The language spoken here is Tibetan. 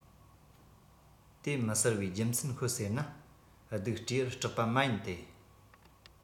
དེ མི ཟེར བའི རྒྱུ མཚན ཤོད ཟེར ན སྡུག སྤྲེའུར སྐྲག པ མ ཡིན ཏེ